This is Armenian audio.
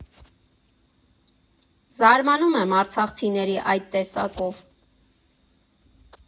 Զարմանում եմ արցախցիների այդ տեսակով։